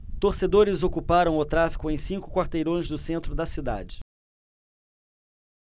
torcedores ocuparam o tráfego em cinco quarteirões do centro da cidade